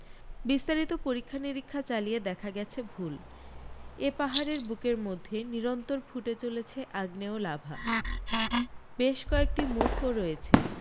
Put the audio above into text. বিস্তারিত পরীক্ষা নিরীক্ষা চালিয়ে দেখা গেছে ভুল এ পাহাড়ের বুকের মধ্যে নিরন্তর ফুটে চলেছে আগ্নেয় লাভা বেশ কয়েকটি মুখও রয়েছে